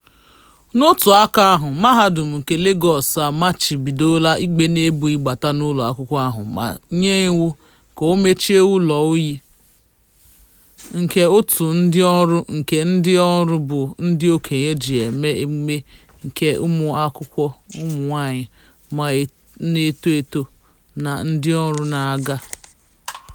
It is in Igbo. N'otu aka ahụ, Mahadum nke Lagọọsụ amachibidoola Igbenegbu ịbata n'ụlọakwụkwọ ahụ ma nye iwu ka e mechie "ụlọ oyi" nke òtù ndị ọrụ, nke ndị ọrụ bụ ndị okenye ji eme emume nke ụmụakwụkwọ ụmụnwaanyị na-eto eto na ndị ọrụ na-aga.